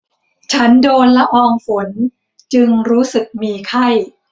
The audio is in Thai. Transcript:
ฉันโดนละอองฝนจึงรู้สึกมีไข้